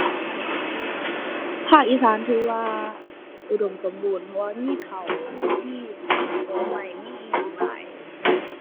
ภาคอีสานถือว่าอุดมสมบูรณ์ เพราะว่ามีข้าว มีผลไม้ มีอิหยังหลาย